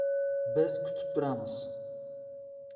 biz kutib turamiz